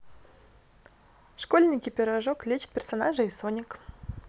школьники пирожок лечит персонажа и sonic